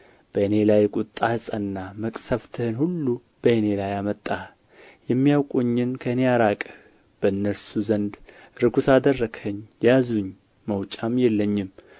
በእኔ ላይ አመጣህ የሚያውቁኝን ከእኔ አራቅህ በእነርሱ ዘንድ ርኵስ አደረግኸኝ ያዙኝ መውጫም የለኝም